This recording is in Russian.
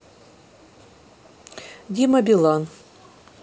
дима билан